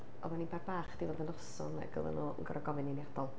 Oeddan i'n Bar Bach diwedd y noson ac oeddan nhw yn gorfod gofyn i ni adael.